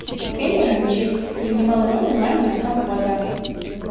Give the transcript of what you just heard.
cameron чик принимал роды мамина компота